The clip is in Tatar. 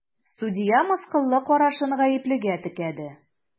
Судья мыскыллы карашын гаеплегә текәде.